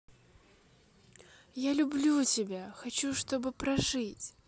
я люблю тебя хочу чтобы прожить